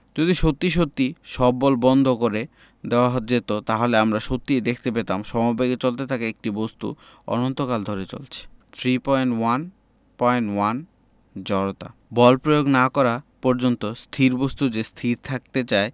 যদি সত্যি সত্যি সব বল বন্ধ করে দেওয়া যেত তাহলে আমরা সত্যিই দেখতে পেতাম সমবেগে চলতে থাকা একটা বস্তু অনন্তকাল ধরে চলছে 3.1.1 জড়তা বল প্রয়োগ না করা পর্যন্ত স্থির বস্তু যে স্থির থাকতে চায়